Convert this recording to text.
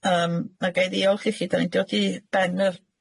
Yym, a ga i ddiolch ichi. 'Dan ni'n dod i ben yr